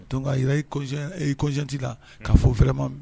Don i i kɔsanti la'a fɔ fɛrɛma